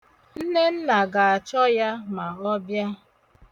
Nnenna ga-achọ ya ma ọ bịa.